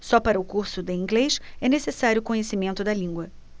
só para o curso de inglês é necessário conhecimento da língua